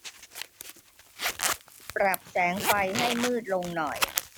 ปรับแสงไฟให้มืดลงหน่อย